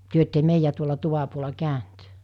te ette meidän tuolla tuvan puolella käynyt